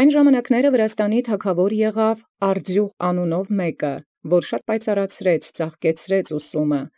Առ որով ժամանակաւ Արձիւղ անուն թագաւորեալ Վրաց, որոյ առաւելապէս պայծառացուցեալ ծաղկեցուցանէր զվարդապետութիւնն